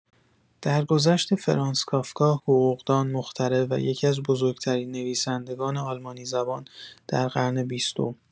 درگذشت فرانتس کافکا، حقوق‌دان، مخترع و یکی‌از بزرگ‌ترین نویسندگان آلمانی‌زبان در قرن بیستم